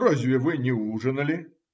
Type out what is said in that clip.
- Разве вы не ужинали?